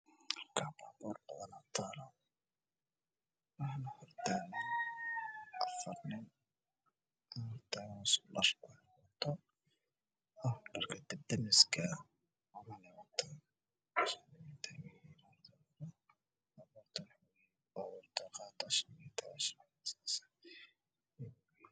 Meeshaan waxaa taagan gaariyaal waaweyn oo caddaan ah waxay ag taagan niman wataan shaatiyo cagaar